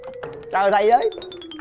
chờ thấy dới